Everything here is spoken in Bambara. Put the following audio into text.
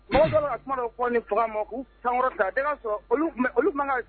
Mɔ kuma fɔ ni ma k'u sankɔrɔ sɔrɔ